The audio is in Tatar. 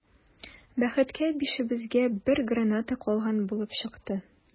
Бәхеткә, бишебезгә бер граната калган булып чыкты.